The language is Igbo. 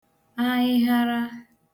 ahịhara